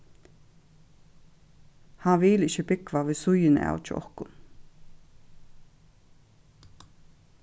hann vil ikki búgva við síðuna av hjá okkum